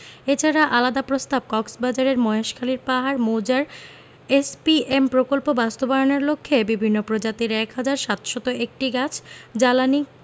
এছাড়া আলাদা প্রস্তাব কক্সবাজারের মহেশখালীর পাহাড় মৌজার এসপিএম প্রকল্প বাস্তবায়নের লক্ষ্যে বিভিন্ন প্রজাতির ১ হাজার ৭০১টি গাছ জ্বালানি